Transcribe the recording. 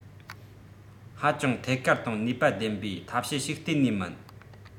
ཧ ཅང ཐད ཀར དང ནུས པ ལྡན པའི ཐབས ཤེས ཞིག གཏན ནས མིན